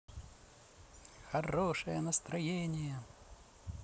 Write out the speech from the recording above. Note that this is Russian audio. хорошее настроение